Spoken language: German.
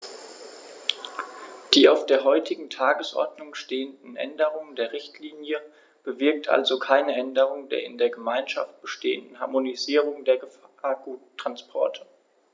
Die auf der heutigen Tagesordnung stehende Änderung der Richtlinie bewirkt also keine Änderung der in der Gemeinschaft bestehenden Harmonisierung der Gefahrguttransporte.